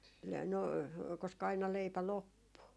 - no koska aina leipä loppui